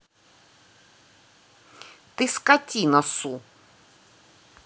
ты скотина су